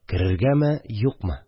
Керергәме, юкмы